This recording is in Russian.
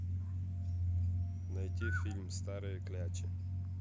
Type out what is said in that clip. найти фильм старые клячи